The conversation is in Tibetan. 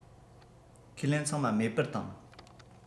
ཁས ལེན ཚང མ མེད པ དུ བཏང